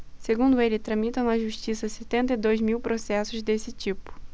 segundo ele tramitam na justiça setenta e dois mil processos desse tipo